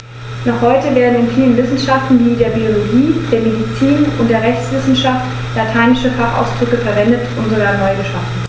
Noch heute werden in vielen Wissenschaften wie der Biologie, der Medizin und der Rechtswissenschaft lateinische Fachausdrücke verwendet und sogar neu geschaffen.